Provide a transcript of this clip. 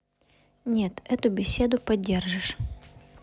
нет эту беседу поддержишь